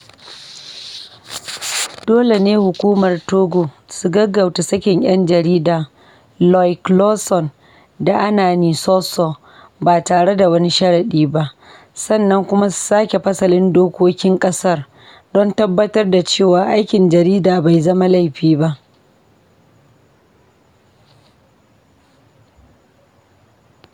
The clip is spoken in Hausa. Dole ne hukumomin Togo su gaggauta saki yan jarida Loïc Lawson da Anani Sossou ba tare da wani sharadi ba, sannan kuma su sake fasalin dokokin ƙasar don tabbatar da cewa aikin jarida bai zama laifi ba.